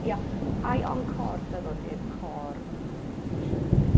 Ie, ai Encôr dwi'n meddwl ydy'r côr pensiynwyr?